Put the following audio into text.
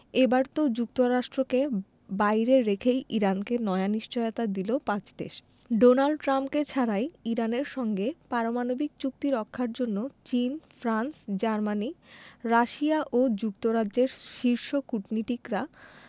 এবার তো যুক্তরাষ্ট্রকে বাইরে রেখেই ইরানকে নয়া নিশ্চয়তা দিল পাঁচ দেশ ডোনাল ট্রাম্পকে ছাড়াই ইরানের সঙ্গে পারমাণবিক চুক্তি রক্ষার জন্য চীন ফ্রান্স জার্মানি রাশিয়া ও যুক্তরাজ্যের শীর্ষ কূটনীতিকরা